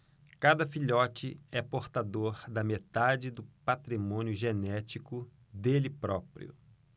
cada filhote é portador da metade do patrimônio genético dele próprio